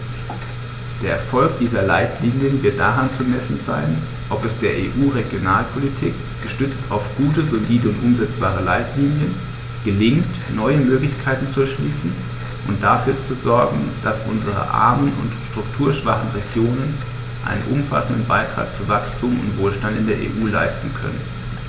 Der Erfolg dieser Leitlinien wird daran zu messen sein, ob es der EU-Regionalpolitik, gestützt auf gute, solide und umsetzbare Leitlinien, gelingt, neue Möglichkeiten zu erschließen und dafür zu sogen, dass unsere armen und strukturschwachen Regionen einen umfassenden Beitrag zu Wachstum und Wohlstand in der EU leisten können.